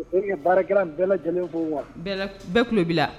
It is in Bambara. Foli kɛ baarakɛla bɛɛ lajɛlen fɔ . Bɛɛ la bɛɛ tulo b'i la.